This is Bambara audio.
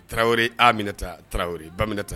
Taraweleori a minɛta taraweleori ba minɛta